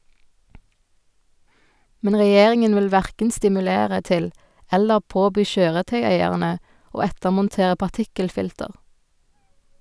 Men Regjeringen vil hverken stimulere til eller påby kjøretøyeierne å ettermontere partikkelfilter.